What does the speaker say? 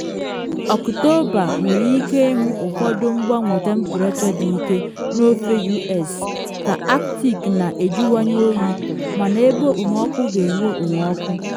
Ọktọba nwere ike ịhụ ụfọdụ mgbanwe temprechọ dị ike n’ofe U.S. ka Arctic na ejuwanye oyi, mana ebe okpomọkụ ga-enwe okpomọkụ.